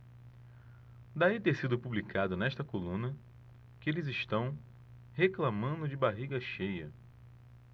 daí ter sido publicado nesta coluna que eles reclamando de barriga cheia